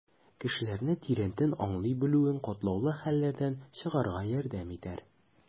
Кешеләрне тирәнтен аңлый белүең катлаулы хәлләрдән чыгарга ярдәм итәр.